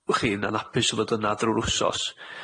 w'ch chi, yn anhapus i fod yna drw'r wsos,